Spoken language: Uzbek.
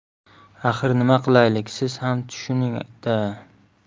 axir nima qilaylik siz ham tushuning da